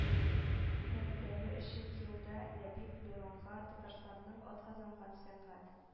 Мәтләре өчен елда ләбиб леронга «татарстанның атказанган сәнгать